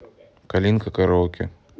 калинка караоке